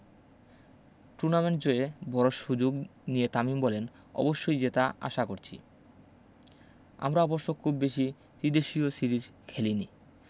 tournament জয়ে বড় সুযোগ নিয়ে তামিম বললেন অবশ্যই জেতা আশা করছি আমরা অবশ্য খুব বেশি তিদেশীয় সিরিজ খেলেনি